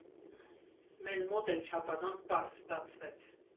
ՄԵզ մոտ էլ չափազանց պարզ ստացվեց։